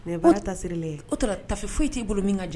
Mɛ baara tasiri o tora tafe foyi t'i bolo min ka jan